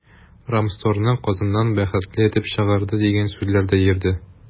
“рамстор”ны казаннан “бәхетле” этеп чыгарды, дигән сүзләр дә йөрде.